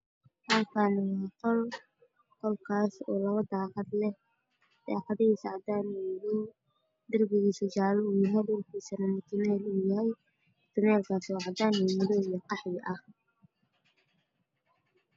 Halkaan waa qol labo daaqad leh oo cadaan iyo madow ah, darbigiisa waa jaale dhulkana waa mutuleel madow, cadaan iyo qaxwi ah.